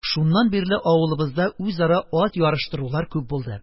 Шуннан бирле авылыбызда үзара ат ярыштырулар күп булды.